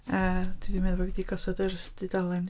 Yy dwi 'di meddwl mod i wedi gosod y dudalen.